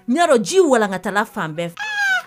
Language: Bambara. N'i'a dɔn ji walankatala fan bɛɛ fɛ